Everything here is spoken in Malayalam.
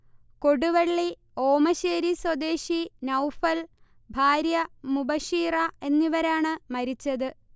കൊടുവളളി ഓമശ്ശേരി സ്വദേശി നൗഫൽ, ഭാര്യ മുബഷീറ എന്നിവരാണ് മരിച്ചത്